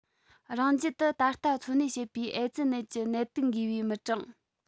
རང རྒྱལ དུ ད ལྟ འཚོ གནས བྱེད པའི ཨེ ཙི ནད ཀྱི ནད དུག འགོས པའི མི གྲངས